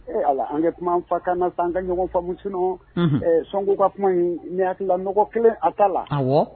Ee ala an ka kuma fa kana an ka ɲɔgɔn famus sɔnku ka kuma in mi hakilila nɔgɔ kelen a ta la